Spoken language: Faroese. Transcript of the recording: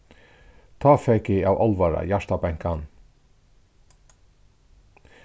tá fekk eg av álvara hjartabankan